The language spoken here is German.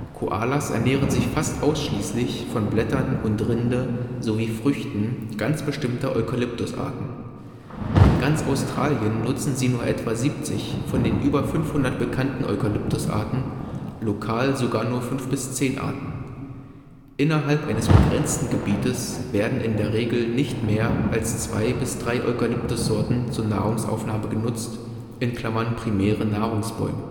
Koalas ernähren sich fast ausschließlich von Blättern und Rinde sowie Früchten ganz bestimmter Eukalyptusarten. In ganz Australien nutzen sie nur etwa 70 von den über 500 bekannten Eukalyptusarten, lokal sogar nur 5 – 10 Arten. Innerhalb eines begrenzten Gebietes werden in der Regel nicht mehr als zwei bis drei Eukalyptus-Sorten zur Nahrungsaufnahme genutzt (primäre Nahrungsbäume